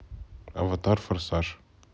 аватар форсаж